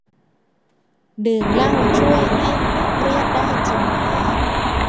ดื่มเหล้าช่วยให้หายเครียดได้จริงไหม